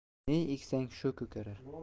ne eksang shu ko'karar